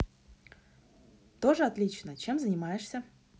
тоже отлично чем занимаешься